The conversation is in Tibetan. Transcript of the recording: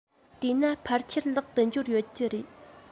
དེས ན ཕལ ཆེར ལག ཏུ འབྱོར ཡོད ཀྱི རེད